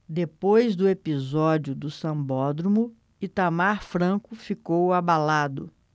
depois do episódio do sambódromo itamar franco ficou abalado